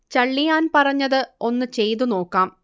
ചള്ളിയാൻ പറഞ്ഞത് ഒന്ന് ചെയ്തു നോക്കാം